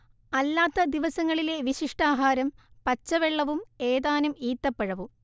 അല്ലാത്ത ദിവസങ്ങളിലെ വിശിഷ്ടാഹാരം പച്ചവെള്ളവും ഏതാനും ഈത്തപ്പഴവും